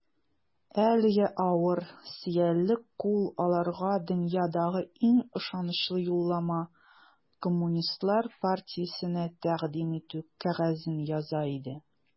Әлеге авыр, сөялле кул аларга дөньядагы иң ышанычлы юллама - Коммунистлар партиясенә тәкъдим итү кәгазен яза иде.